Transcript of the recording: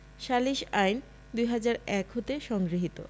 সালিস আইন ২০০১ হতে সংগৃহীত